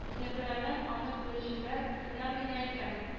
Безнекеләрдән аны күрүчеләр кемнәр генә икән